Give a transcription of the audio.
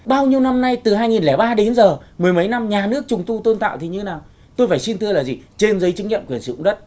bao nhiêu năm nay từ hai nghìn lẻ ba đến giờ mười mấy năm nhà nước trùng tu tôn tạo thì như nào tôi phải xin thưa là gì trên giấy chứng nhận quyền sử dụng đất